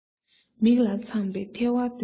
མིག ལ འཚངས པའི ཐལ བ འདོན མི ཤེས